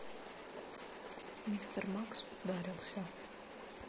мистер макс ударился